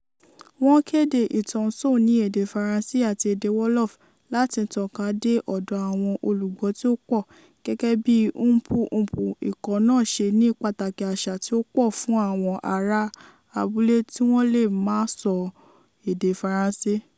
Wọ́n kéde ìtàn Sow ní èdè Faransé àti èdè Wolof láti tànká dé ọ̀dọ́ àwọn olùgbọ́ tí ó pọ̀, gẹ́gẹ́ bíi ndeup neupal ikọ̀ náà ṣe ní pàtàkì àṣà tí ó pọ̀ fún àwọn ará abúlé tí wọ́n le má sọ èdè Faransé.